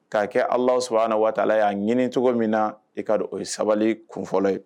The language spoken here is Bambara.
K'a kɛ ala sɔrɔ a na waala y'a ɲini cogo min na e ka don o ye sabali kun fɔlɔ ye